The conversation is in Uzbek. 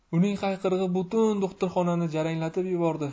uning hayqirig'i butun do'xtirxonani jaranglatib yubordi